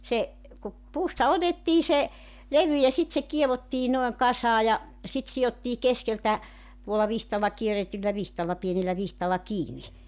se kun puusta otettiin se levy ja sitten se kiedottiin noin kasaan ja sitten sidottiin keskeltä tuolla vitsalla kierretyllä vitsalla pienellä vitsalla kiinni